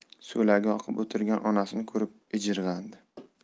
so'lagi oqib o'tirgan onasini ko'rib ijirg'andi